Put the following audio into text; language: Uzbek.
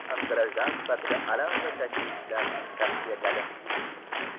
ham grajdan sifatida alam va tashvish bilan tasvirladi